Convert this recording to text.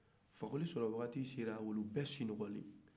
fakoli sɔrɔ wagati sera u bɛ sinɔgɔra